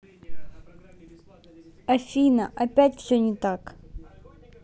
афина опять все не так